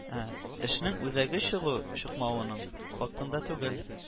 Эшнең үзәге чыгу-чыкмауның фактында түгел.